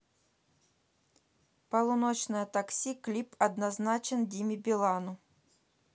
полуночное такси клип однозначен диме билану